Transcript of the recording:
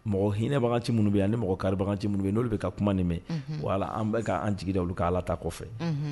Mɔgɔ hinɛbagaci minnu bɛ ye ani mɔgɔ karibaganci minnu be ye n'olu be ka kuma nin mɛ unhun voilà an be ka an jigida olu kan Ala ta kɔfɛ unhun